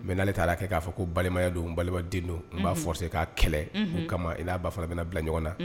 Mais n'ale taara kɛ k'a fɔ ko balimaya don, n balimaden don, u b'a forcer k'a kɛlɛ, unhun, o kama i n'a ba fana bɛna bila ɲɔgɔn na.